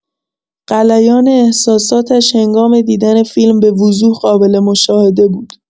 غلیان احساساتش هنگام دیدن فیلم به‌وضوح قابل‌مشاهده بود.